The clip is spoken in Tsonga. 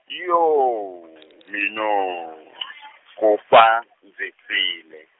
yoo , minooo , ku fa, ndzi file.